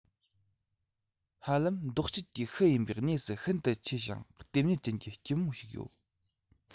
ཧ ལམ འདོག སྤྱད ཀྱི ཤུལ ཡིན པའི གནས སུ ཤིན ཏུ ཆེ ཞིང ལྟེབ གཉེར ཅན གྱི སྐྱི མོ ཞིག ཡོད